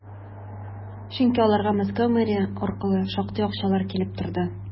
Чөнки аларга Мәскәү мэриясе аркылы шактый акчалар килеп торды.